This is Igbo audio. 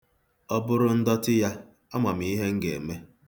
Ọ bụrụ ndọtị ya, ama m ihe m ga-eme.